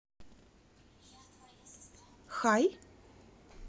хай